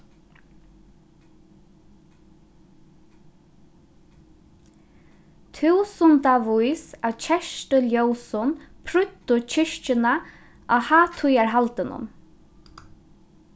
túsundavís av kertuljósum prýddu kirkjuna á hátíðarhaldinum